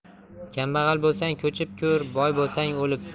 kambag'al bo'lsang ko'chib ko'r boy bo'lsang o'lib